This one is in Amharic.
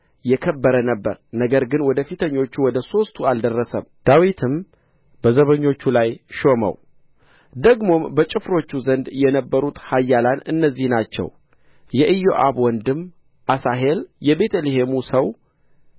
የከበረ ነበረ ነገር ግን ወደ ፊተኞቹ ወደ ሦስቱ አልደረሰም ዳዊትም በዘበኞቹ ላይ ሾመው ደግሞም በጭፍሮች ዘንድ የነበሩት ኃያላን እነዚህ ናቸው የኢዮአብ ወንድም አሣሄል የቤተ ልሔሙ ሰው